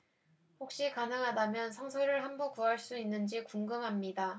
혹시 가능하다면 성서를 한 부 구할 수 있는지 궁금합니다